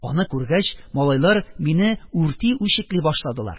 Аны күргәч, малайлар мине үрти-үчекли башладылар.